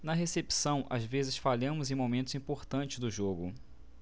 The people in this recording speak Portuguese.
na recepção às vezes falhamos em momentos importantes do jogo